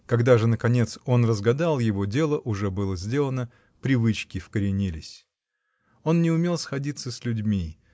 когда же, наконец, он разгадал его, дело уже было сделано, привычки вкоренились. Он не умел сходиться с людьми